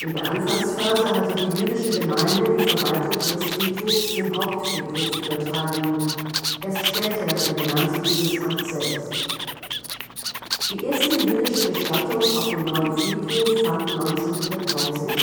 der Anfangsphase hatte die jüdische Gemeinde die Verwaltung ihres Friedhofs dem Hauptfriedhof übertragen, erst später übernahm sie dieses Amt selbst. Die erste jüdische Bestattung auf dem neuen Friedhof fand 1913